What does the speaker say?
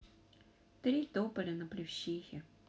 три тополя на плющихе